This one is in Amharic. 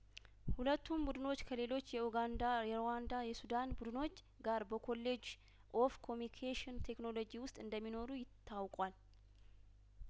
ሁለቱም ቡድኖች ከሌሎች የኡጋንዳ የሩዋንዳ የሱዳን ቡድኖች ጋር በኮሌጅ ኦፍ ኮሚኬሽን ቴክኖሎጂ ውስጥ እንደሚኖሩ ይታውቋል